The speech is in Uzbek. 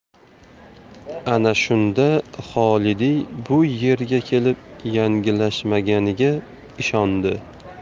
ana shunda xolidiy bu yerga kelib yanglishmaganiga ishondi